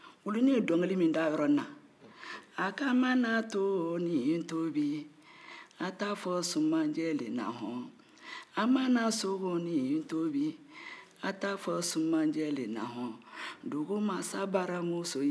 a mana toonin tobi a t'a fɔ sumanjɛ le na hɔn a mana sogonin tobi a t'a fɔ sumanjɛ le na hɔn dugumansa baramuso yelen